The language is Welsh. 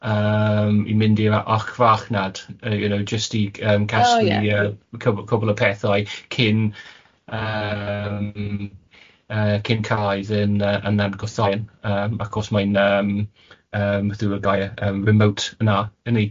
yym i mynd i'r yy archfarchnad yy you know jyst i yym casglu.. oh ie. yy cyf- cwbl o pethau cyn yym yy cyn cael iddyn yy yn Nant Gwrthauyn yym achos mae'n yym yym beth yw y gair yym remote yna yndi?